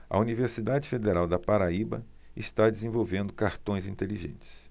a universidade federal da paraíba está desenvolvendo cartões inteligentes